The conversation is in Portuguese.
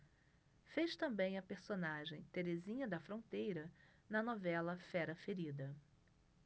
fez também a personagem terezinha da fronteira na novela fera ferida